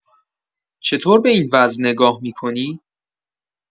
چطور به این وضع نگاه می‌کنی؟